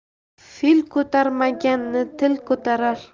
fil ko'tarmaganni til ko'tarar